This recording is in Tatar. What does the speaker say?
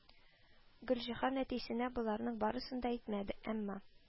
Гөлҗиһан әтисенә боларның барысын да әйтмәде, әмма